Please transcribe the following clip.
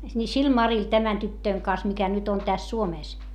niin sillä Marilla tämän tytön kanssa mikä nyt nyt on tässä Suomessa